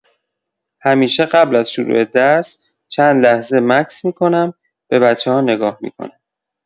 همیشه قبل از شروع درس، چند لحظه مکث می‌کنم، به بچه‌ها نگاه می‌کنم.